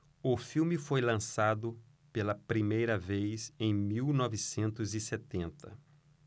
o filme foi lançado pela primeira vez em mil novecentos e setenta